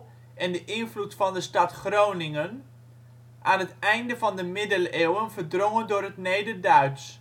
van de stad Groningen aan het einde van de middeleeuwen verdrongen door het Nederduits